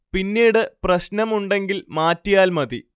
പിന്നീട് പ്രശ്നമുണ്ടെങ്കിൽ മാറ്റിയാൽ മതി